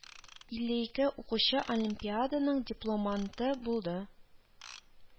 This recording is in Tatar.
Илле ике укучы олимпиаданың дипломанты булды